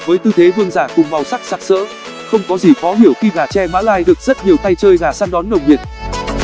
với tư thế vương giả cùng màu sắc sặc sỡ không có gì khó hiểu khi gà tre mã lai được rất nhiều tay chơi gà săn đón nồng nhiệt